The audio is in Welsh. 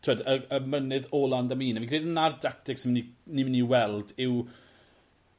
T'wod y y mynydd ola ond am un a fi'n credu 'na'r dactigs ni myn' i ni myn' i weld yw